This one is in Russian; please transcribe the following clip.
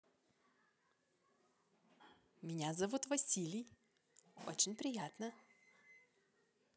меня зовут василий очень приятно